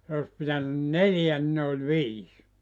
se olisi pitänyt neljä niin ne oli viisi